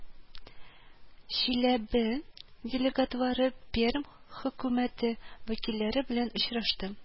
Чиләбе делегатлары Пермь хөкүмәте вәкилләре белән очрашты